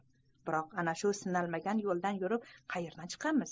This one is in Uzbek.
biroq ana shu sinalmagan yo'ldan yurib qayerdan chiqamiz